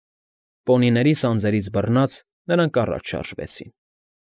Պոնիների սանձերից բռնած՝ նրանք առաջ շարժվեցին։